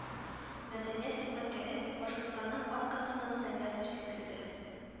Мәдәният хезмәткәре, башкортстанның атказанган сәнгать эшлеклесе